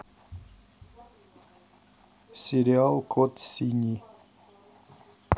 сериал кот синий